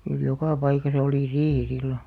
kyllä joka paikassa oli riihi silloin